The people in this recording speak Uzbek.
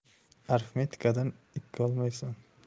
arifmetikadan ikki olmaysan